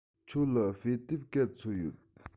ཁྱོད ལ དཔེ དེབ ག ཚོད ཡོད